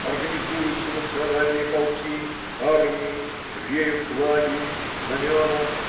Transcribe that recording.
Организуются национальные полки, армии. Реют флаги, знамена.